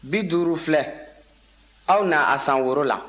bi duuru filɛ aw na a san woro la